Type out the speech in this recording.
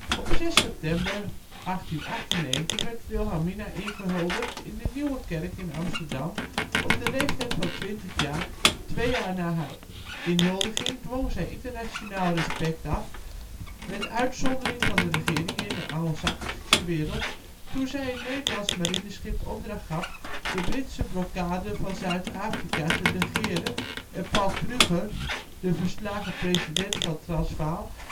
Op 6 september 1898 werd Wilhelmina ingehuldigd in de Nieuwe Kerk in Amsterdam. Op de leeftijd van twintig jaar, twee jaar na haar inhuldiging, dwong zij internationaal respect af (met uitzondering van de regeringen in de Angelsaksische wereld) toen zij een Nederlands marineschip opdracht gaf de Britse blokkade van Zuid-Afrika te negeren en Paul Kruger, de verslagen president van Transvaal